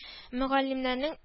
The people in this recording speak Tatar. Мөгаллимнәрнең